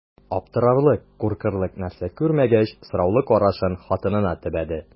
Аптырарлык, куркырлык нәрсә күрмәгәч, сораулы карашын хатынына төбәде.